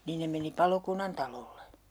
niin ne meni palokunnantalolle